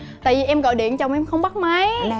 tại vì em gọi điện chồng em không bắt máy